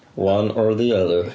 One or the other .